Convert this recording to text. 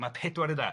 Ma' pedwar yn dda.